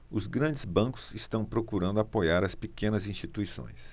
os grandes bancos estão procurando apoiar as pequenas instituições